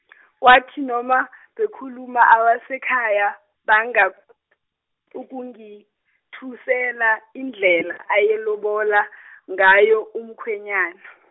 kwathi noma bekhuluma abasekhaya banga- ukungitusela indlela ayelobola ngayo umkhwenyana.